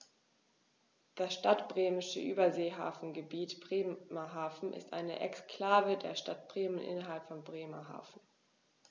Das Stadtbremische Überseehafengebiet Bremerhaven ist eine Exklave der Stadt Bremen innerhalb von Bremerhaven.